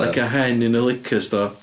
Like a hen in a liquor store.